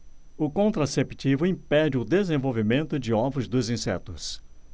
o contraceptivo impede o desenvolvimento de ovos dos insetos